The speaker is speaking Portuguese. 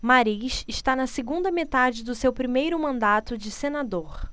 mariz está na segunda metade do seu primeiro mandato de senador